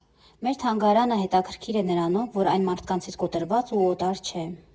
Մեր թանգարանը հետաքրքիր է նրանով, որ այն մարդկանցից կտրված ու օտար չէ։